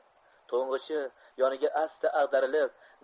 to'ng'ichi yoniga asta ag'darilib